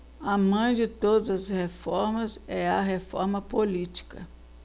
a mãe de todas as reformas é a reforma política